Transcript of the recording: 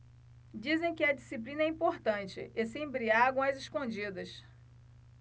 dizem que a disciplina é importante e se embriagam às escondidas